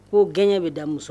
Ko gɛn bɛ da muso